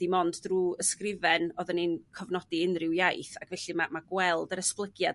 dim ond drw' ysgrifen odda ni'n cofnodi unrhyw iaith ac felly ma' gweld yr esblygiad